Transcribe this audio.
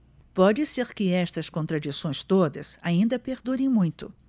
pode ser que estas contradições todas ainda perdurem muito